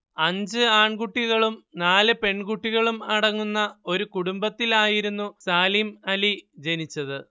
അഞ്ച് ആൺകുട്ടികളും നാല് പെൺകുട്ടികളും അടങ്ങുന്ന ഒരു കുടുംബത്തിലായിരുന്നു സാലിം അലി ജനിച്ചത്